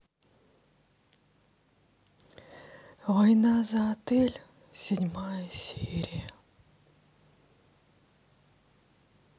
война за отель седьмая серия